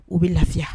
U bɛ lafiya